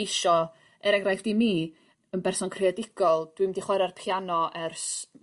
isio er enghraifft i mi yn berson creadigol dwi'm 'di chwara'r piano ers